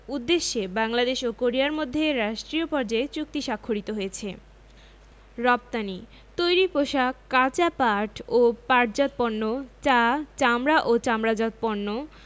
উদ্দেশ্যে বাংলাদেশ ও কোরিয়ার মধ্যে রাষ্ট্রীয় পর্যায়ে চুক্তি স্বাক্ষরিত হয়েছে রপ্তানিঃ তৈরি পোশাক কাঁচা পাট ও পাটজাত পণ্য চা চামড়া ও চামড়াজাত পণ্য